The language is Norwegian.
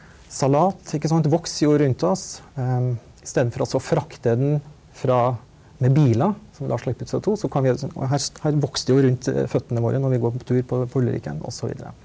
salat ikke sant vokser jo rundt oss i stedet for og så frakte den fra med biler som da slipper ut CO2 så kan vi altså her vokser det jo rundt føttene våre når vi går på tur på på Ulriken og så videre.